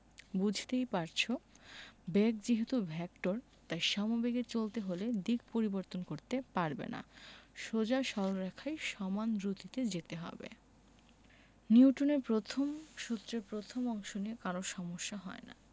বুঝতেই পারছ বেগ যেহেতু ভেক্টর তাই সমবেগে চলতে হলে দিক পরিবর্তন করতে পারবে না সোজা সরল রেখায় সমান দ্রুতিতে যেতে হবে নিউটনের প্রথম সূত্রের প্রথম অংশ নিয়ে কারো সমস্যা হয় না